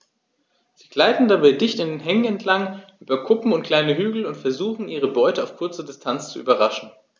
Sie gleiten dabei dicht an Hängen entlang, über Kuppen und kleine Hügel und versuchen ihre Beute auf kurze Distanz zu überraschen.